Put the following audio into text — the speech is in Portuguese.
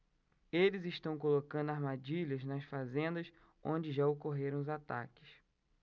eles estão colocando armadilhas nas fazendas onde já ocorreram os ataques